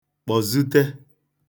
kpọ̀zute